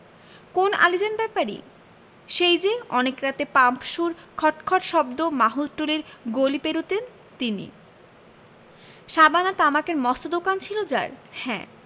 কোন আলীজান ব্যাপারী সেই যে অনেক রাতে পাম্পসুর খট খট শব্দ মাহুতটুলির গলি পেরুতেন তিনি সাবান আর তামাকের মস্ত দোকান ছিল যার হ্যাঁ